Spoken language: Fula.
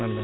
wallay